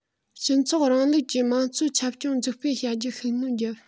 སྤྱི ཚོགས རིང ལུགས ཀྱི དམས གཙོའི ཆབ སྐྱོང འཛུགས སྤེལ བྱ རྒྱུར ཤུགས སྣོན བརྒྱབ